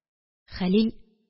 Хәлил